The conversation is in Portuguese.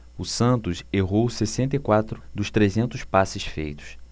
o santos errou sessenta e quatro dos trezentos passes feitos